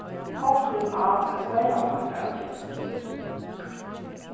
kokkurin át ein heilan pakka av kipsi